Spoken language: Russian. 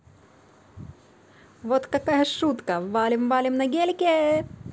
вот какая шутка валим валим на гелике